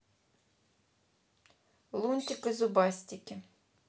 лунтик и зубастики